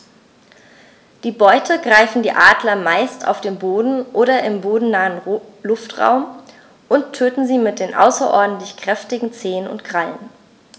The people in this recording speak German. Die Beute greifen die Adler meist auf dem Boden oder im bodennahen Luftraum und töten sie mit den außerordentlich kräftigen Zehen und Krallen.